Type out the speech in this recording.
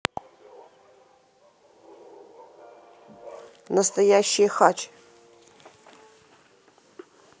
настоящий хач